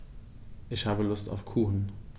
Ich habe Lust auf Kuchen.